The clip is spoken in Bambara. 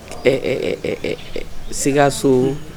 Ɛɛ sikaso